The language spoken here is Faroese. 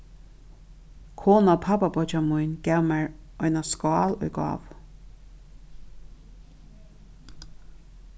kona pápabeiggja mín gav mær ein skál í gávu